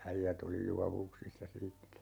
äijät oli juovuksissa siitä